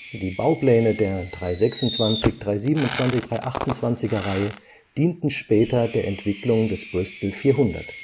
Die Baupläne der 326/327/328-Reihe dienten später der Entwicklung des Bristol 400